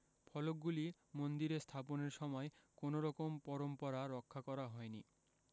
ফলকগুলি মন্দিরে স্থাপনের সময় কোন রকম পরম্পরা রক্ষা করা হয় নি